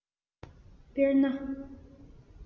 དཔེར ན